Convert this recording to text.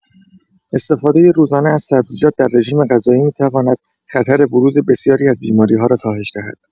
استفاده روزانه از سبزیجات در رژیم‌غذایی می‌تواند خطر بروز بسیاری از بیماری‌ها را کاهش دهد.